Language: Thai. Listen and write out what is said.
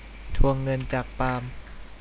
ทวงเงินจากปาล์ม